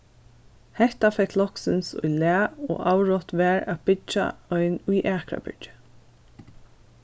hetta fekst loksins í lag og avrátt varð at byggja ein í akrabyrgi